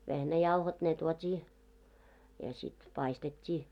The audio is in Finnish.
vehnäjauhot ne tuotiin ja sitten paistettiin